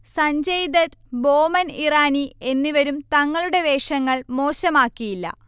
സഞ്ജയ്ദത്ത്, ബോമൻ ഇറാനി എന്നിവരും തങ്ങളുടെ വേഷങ്ങൾ മോശമാക്കിയില്ല